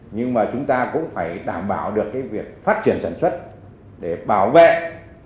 nhưng mà chúng ta cũng phải đảm bảo được cái việc phát triển sản xuất để bảo vệ